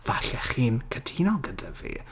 Falle chi'n cytuno gyda fi.